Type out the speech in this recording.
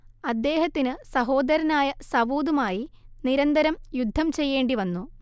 അദ്ദേഹത്തിനു സഹോദരനായ സവൂദ് മായി നിരന്തരം യുദ്ധം ചെയ്യേണ്ടിവന്നു